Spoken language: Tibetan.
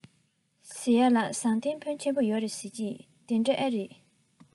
ཟེར ཡས ལ ཟངས གཏེར འཕོན ཆེན ཡོད རེད ཟེར གྱིས དེ འདྲ ཨེ ཡིན